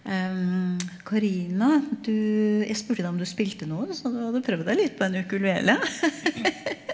Karina, du jeg spurte deg om du spilte noe, du sa du hadde prøvd deg litt på en ukulele .